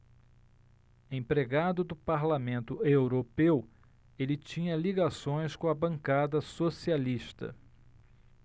empregado do parlamento europeu ele tinha ligações com a bancada socialista